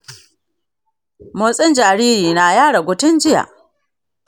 motsin jariri na ya ragu tin jiya.